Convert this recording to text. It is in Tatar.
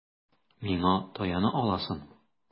Миңа таяна аласың.